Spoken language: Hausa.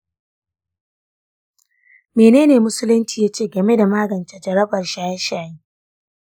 mene ne musulunci ya ce game da magance jarabar shaye-shaye?